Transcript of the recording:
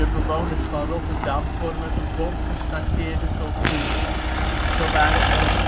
bewoners van Rotterdam vormen een bont geschakeerde cultuur: zo waren er op